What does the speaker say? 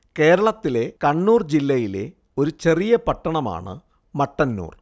കേരളത്തിലെ കണ്ണൂര്‍ ജില്ലയിലെ ഒരു ചെറിയ പട്ടണമാണ് മട്ടന്നൂര്‍